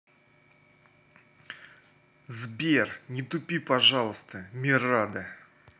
сбер не тупи пожалуйста мерада